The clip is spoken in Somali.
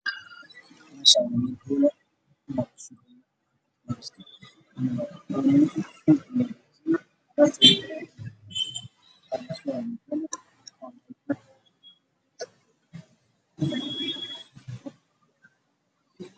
Waa hool waxaa iskugu imaaday niman ku